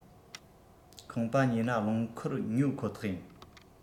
ཁང པ ཉོས ན རླངས འཁོར ཉོ ཁོ ཐག ཡིན